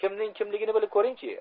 kimning kimligini bilib ko'ring chi